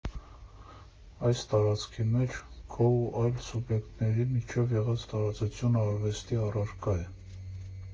«Այս տարածքի մեջ՝ քո ու այլ սուբյեկտների միջև եղած տարածությունը արվեստի առարկա է»։